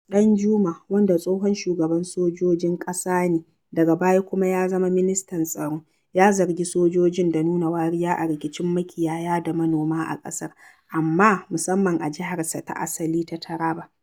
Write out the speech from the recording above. ɗanjuma, wanda tsohon shugaban sojojin ƙasa ne, daga baya kuma ya zama ministan tsaro, ya zargi sojojin da nuna wariya a rikicin makiyaya da manoma a ƙasar, amma musamman a jiharsa ta asali ta Taraba.